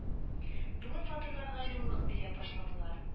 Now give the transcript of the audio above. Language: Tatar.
Бүген фатирларга җылылык бирә башладылар.